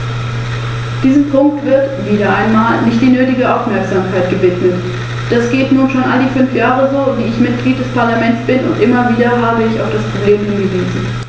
Ferner sollte die Pflicht zur Unterrichtung staatlicher Behörden bei Unfällen unumgänglich sein.